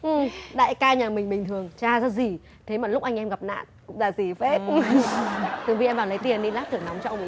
hư đại ca nhà mình bình thường chả ra gì thế mà lúc anh em gặp nạn cũng ra gì phết tường vi em vào lấy tiền đi lát thưởng nóng cho ông ý